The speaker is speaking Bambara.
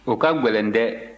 o ka gɛlɛn dɛ